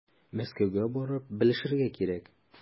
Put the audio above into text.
Мәскәүгә барып белешергә кирәк.